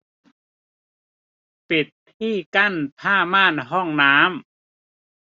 ปิดที่กั้นผ้าม่านห้องน้ำ